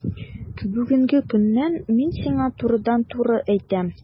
Бүгенге көннән мин сиңа турыдан-туры әйтәм: